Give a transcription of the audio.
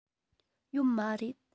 ཡོད མ རེད